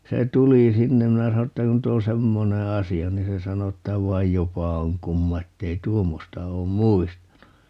se tuli sinne minä sanoin että nyt on semmoinen asia niin se sanoi että vaan jopa on kumma että ei tuommoista ole muistanut